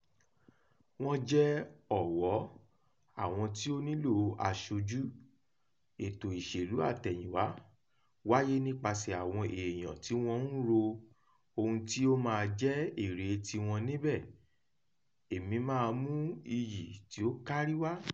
Wọ́n jẹ́ ọ̀wọ́ àwọn tí ó nílò aṣojú. Ètò ìṣèlú àtẹ̀yìnwá wáyé nípasẹ̀ àwọn èèyàn tí wọ́n ń ro ohun tí ó máa jẹ́ èrèe tiwọn níbẹ̀, èmi máa mú iyì tí ó kárí wá.